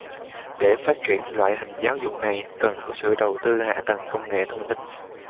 để phát triển loại hình giáo dục này cần có sự đầu tư hạ tầng công nghệ thông tin